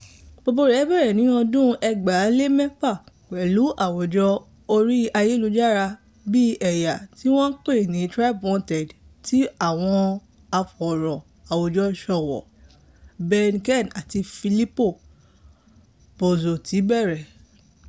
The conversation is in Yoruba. Gbogbo rẹ̀ bẹ̀rẹ̀ ní ọdún 2006 pẹ̀lú àwùjọ orí ayélujára àbí "ẹ̀yà" tí wọ́n ń pè ní TribeWanted tí àwọn afọ̀ràn-àwùjọṣòwò Ben Keene àti Filippo Bozotti bẹ̀rẹ̀.